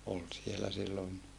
oli siellä silloin